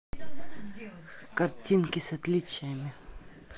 картинки с отличиями